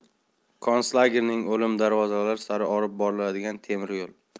konslagerning o'lim darvozalari sari olib boradigan temiryo'l